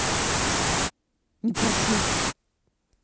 не прощу